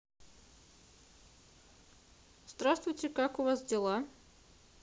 здравствуйте как у вас дела